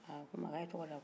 ah ko ma a' ye da